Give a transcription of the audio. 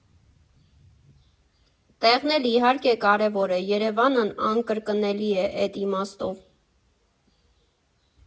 Տեղն էլ, իհարկե, կարևոր է, Երևանն անկրկնելի է էդ իմաստով։